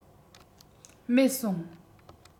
མེད སོང